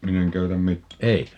minä en käytä mitään